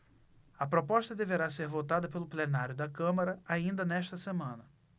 a proposta deverá ser votada pelo plenário da câmara ainda nesta semana